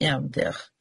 Iawn, diolch.